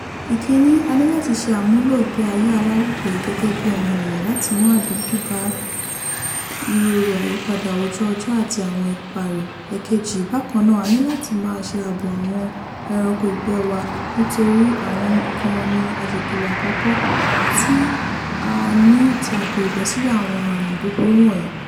"Ìkínní, a ní láti ṣe àmúlò ìgbé ayé alálòpẹ́ gẹ́gẹ́ bí ọmọnìyàn láti mú àdínkù bá ìrorò àyípadà ojú-ọjọ́ àti àwọn ipa rẹ̀; èkejì, báyìí gan, a ní láti máa ṣe ààbò àwọn ẹranko ìgbẹ́ wa nítorí àwọn gan ni aṣèkìlọ̀ àkọ́kọ́ tí a ní tako ìbẹ́sílẹ̀ àwọn àrùn búburú wọ̀nyìí."